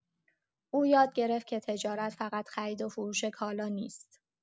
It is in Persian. او یاد گرفت که تجارت فقط خرید و فروش کالا نیست.